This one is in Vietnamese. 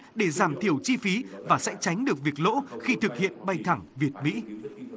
để giảm thiểu chi phí và sẽ tránh được việc lỗ khi thực hiện bay thẳng việt mỹ